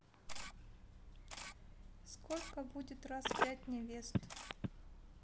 сколько будет раз пять невест